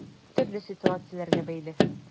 Төрле ситуацияләргә бәйле.